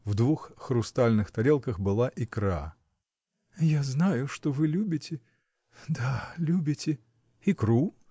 В двух хрустальных тарелках была икра. — Я знаю, что вы любите. да, любите. — Икру?